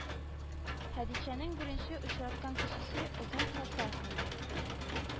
Хәдичәнең беренче очраткан кешесе Озын Фәсах булды